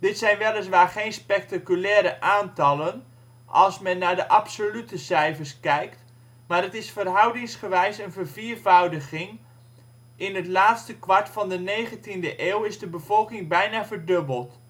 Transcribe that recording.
zijn weliswaar geen spectaculaire aantallen als men naar de absolute cijfers kijkt, maar het is verhoudingsgewijs een verviervoudiging, in het laatste kwart van de 19e eeuw is de bevolking bijna verdubbeld